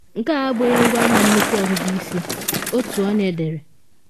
Nke a bụ ngwaahịa nnukwu ọgụgụ isi,” otu onye dere.